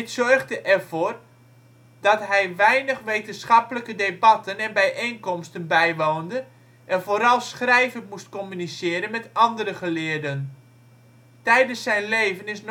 zorgde ervoor dat hij weinig wetenschappelijke debatten en bijeenkomsten bijwoonde en vooral schrijvend moest communiceren met andere geleerden. Tijdens zijn leven is